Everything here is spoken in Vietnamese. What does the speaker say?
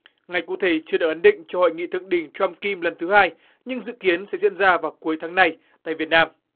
ngày cụ thể chưa được ấn định cho hội nghị thượng đỉnh troăm kim lần thứ hai nhưng dự kiến sẽ diễn ra vào cuối tháng này tại việt nam